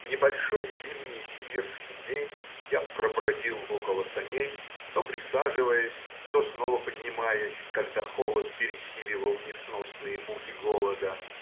Небольшой зимний сибирский день я пробродил около саней, то присаживаясь, то снова поднимаясь, когда холод пересиливал несносные муки голода.